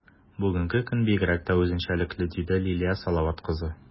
Бүгенге көн бигрәк тә үзенчәлекле, - диде Лилия Салават кызы.